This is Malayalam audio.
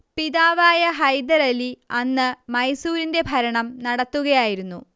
പിതാവായ ഹൈദരലി അന്ന് മൈസൂരിന്റെ ഭരണം നടത്തുകയായിരുന്നു